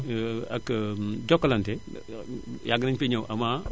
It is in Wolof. ak Jokalante yàgg nañu fi ñëw avant